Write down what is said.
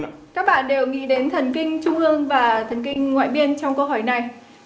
các bạn đều nghĩ đến thần kinh trung ương và thần kinh ngoại biên trong câu hỏi này